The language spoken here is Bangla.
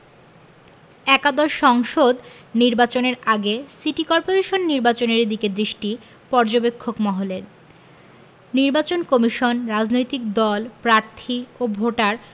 একাদশ সংসদ নির্বাচনের আগে সিটি করপোরেশন নির্বাচনের দিকে দৃষ্টি পর্যবেক্ষক মহলের নির্বাচন কমিশন রাজনৈতিক দল প্রার্থী ও ভোটার